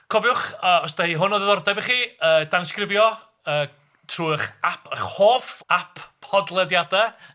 Cofiwch os 'di hwn o ddiddordeb i chi yy i danysgrifio yy trwy eich app... Eich hoff app podlediadau